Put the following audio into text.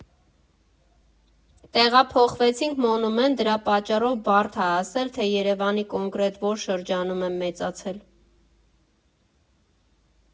Տեղափոխվեցինք Մոնումենտ՝ դրա պատճառով բարդ ա ասել, թե Երևանի կոնկրետ որ շրջանում եմ մեծացել։